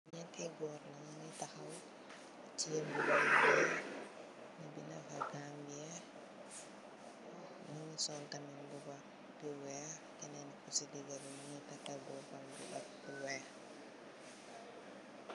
Nyeti gor nyungi tahaw.